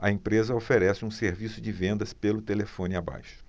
a empresa oferece um serviço de vendas pelo telefone abaixo